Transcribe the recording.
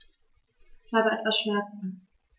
Ich habe etwas Schmerzen.